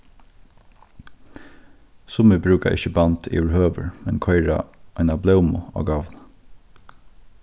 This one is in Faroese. summi brúka ikki band yvirhøvur men koyra eina blómu á gávuna